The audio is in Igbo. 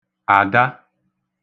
àda